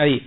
ayi